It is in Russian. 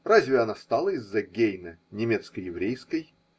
Разве она стала из-за Гейне немецко-еврейской?